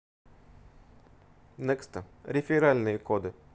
nexta реферальные коды